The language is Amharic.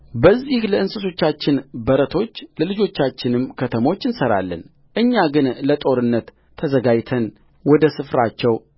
በዚህ ለእንስሶቻችን በረቶች ለልጆቻችንም ከተሞች እንሠራለንእኛ ግን ለጦርነት ተዘጋጅተን ወደ ስፍራቸው